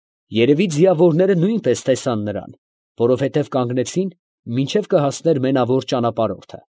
Երևի, ձիավորներն նույնպես տեսան նրան, որովհետև կանգնեցին, մինչև կհասներ մենավոր ճանապարհորդը։